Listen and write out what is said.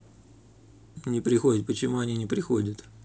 не приходит почему они не приходит